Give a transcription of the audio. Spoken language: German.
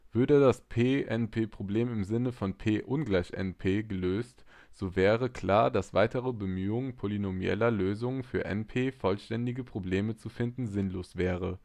Würde das P-NP-Problem im Sinne von P ≠ NP gelöst, so wäre klar, dass weitere Bemühungen, polynomielle Lösungen für NP-vollständige Probleme zu finden, sinnlos wären